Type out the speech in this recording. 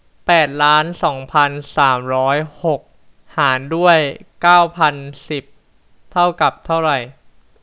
แปดล้านสองพันสามร้อยหกหารด้วยเก้าพันสิบเท่ากับเท่าไร